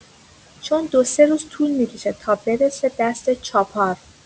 چون دو سه روز طول می‌کشه تا برسه دست چاپار